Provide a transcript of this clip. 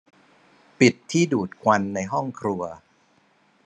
ปิดที่ดูดควันในห้องครัว